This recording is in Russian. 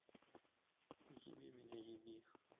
еби меня еби